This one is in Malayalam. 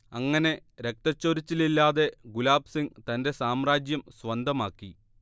അങ്ങനെ രക്തച്ചൊരിച്ചിലില്ലാതെ ഗുലാബ് സിങ് തന്റെ സാമ്രാജ്യം സ്വന്തമാക്കി